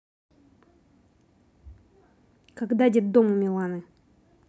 когда детдом у миланы